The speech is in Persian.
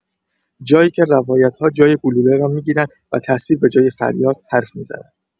جایی که روایت‌ها جای گلوله را می‌گیرند و تصویر، به‌جای فریاد، حرف می‌زند.